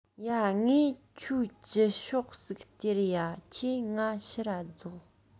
ཡ ངས ཁྱོའ བཅུ ཤོག ཟིག སྟེར ཡ ཁྱོས ངའ ཕྱིར ར རྫོགས